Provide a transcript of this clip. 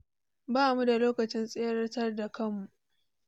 “Bamu da lokacin tseratar da kammu.